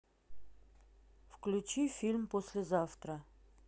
включи фильм послезавтра